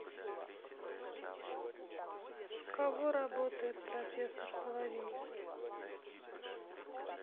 с кого работает профессор соловей